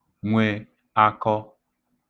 nwe àkọ